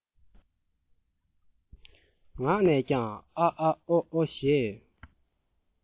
ངག ནས ཀྱང ཨ ཨ ཨོ ཨོ ཞེས